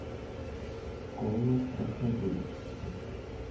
кола страховых